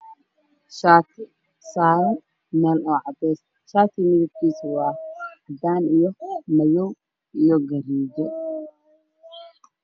Ka kooban madow iyo iyo berbera cadaan miiska u saa saaran yahay cadaan